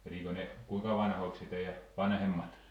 elikö ne kuinka vanhoiksi teidän vanhemmat